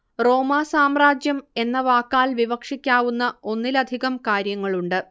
റോമാ സാമ്രാജ്യം എന്ന വാക്കാൽ വിവക്ഷിക്കാവുന്ന ഒന്നിലധികം കാര്യങ്ങളുണ്ട്